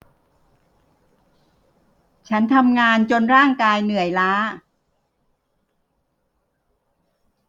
ฉันทำงานจนร่างกายเหนื่อยล้า